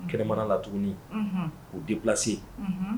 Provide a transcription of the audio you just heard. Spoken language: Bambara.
Kɛnɛmana la tuguni Unhun o déplace Unhun